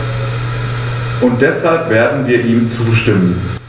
Und deshalb werden wir ihm zustimmen.